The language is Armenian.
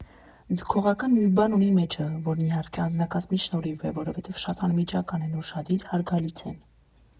Ձգողական մի բան ունի մեջը, որն իհարկե անձնակազմի շնորհիվ է, որովհետև շատ անմիջական են, ուշադիր են, հարգալից են։